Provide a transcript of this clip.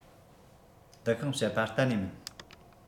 ལི ཤིང བཤད པ གཏན ནས མིན